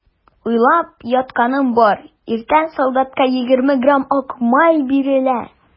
Уйлап ятканым бар: иртән солдатка егерме грамм ак май бирелә.